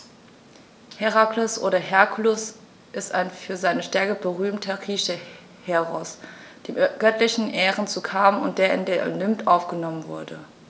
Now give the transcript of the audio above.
Herakles oder Herkules ist ein für seine Stärke berühmter griechischer Heros, dem göttliche Ehren zukamen und der in den Olymp aufgenommen wurde.